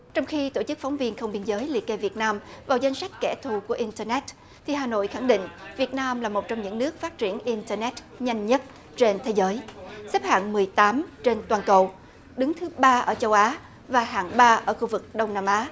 trong khi tổ chức phóng viên không biên giới liệt kê việt nam vào danh sách kẻ thù của in tơ nét thì hà nội khẳng định việt nam là một trong những nước phát triển in tơ nét nhanh nhất trên thế giới xếp hạng mười tám trên toàn cầu đứng thứ ba ở châu á và hạng ba ở khu vực đông nam á